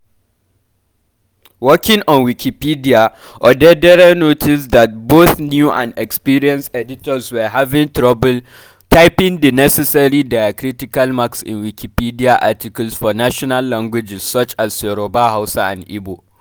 Working on Wikipedia, Odedere noticed that both new and experienced editors were having trouble typing the necessary diacritical marks in Wikipedia articles for national languages such as Yoruba, Hausa, and Igbo.